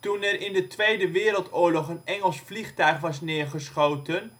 Toen er in de Tweede Wereldoorlog een Engels vliegtuig was neergeschoten